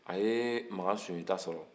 a ye makan sunjata sɔrɔ